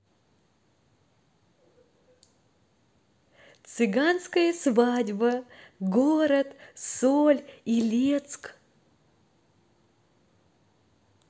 цыганская свадьба город соль илецк